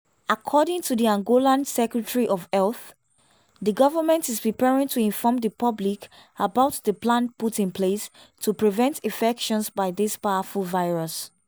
According to the Angolan Secretary of Health, the government is preparing to inform the public about the plan put in place to prevent infection by this powerful virus.